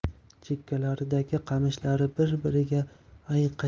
chekkalaridagi qamishlar bir biriga ayqashib